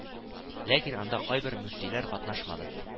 Ләкин анда кайбер мөфтиләр катнашмады